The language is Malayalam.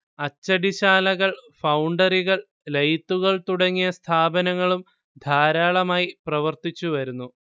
അച്ചടിശാലകൾ ഫൗണ്ടറികൾ ലെയ്ത്തുകൾ തുടങ്ങിയ സ്ഥാപനങ്ങളും ധാരാളമായി പ്രവർത്തിച്ചു വരുന്നു